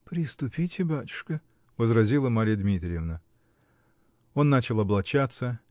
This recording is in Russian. -- Приступите, батюшка, -- возразила Марья Дмитриевна. Он начал облачаться